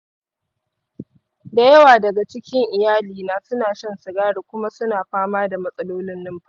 da yawa daga cikin iyalina suna shan sigari kuma suna fama da matsalolin numfashi.